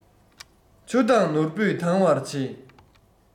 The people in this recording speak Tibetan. ཆུ མདངས ནོར བུས དྭངས པར བྱེད